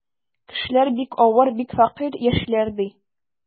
Кешеләр бик авыр, бик фәкыйрь яшиләр, ди.